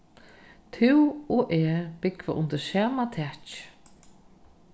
tú og eg búgva undir sama taki